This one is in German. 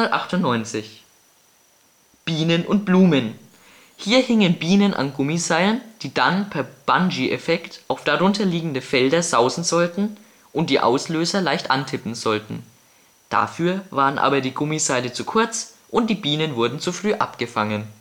1998: Bienen und Blumen - Hier hingen Bienen an Gummiseilen die dann per Bungeeeffekt auf darunter liegende Felder sausen sollten und die Auslöser leicht antippen sollten. Dafür waren aber die Gummiseile zu kurz und die Bienen wurden zu früh abgefangen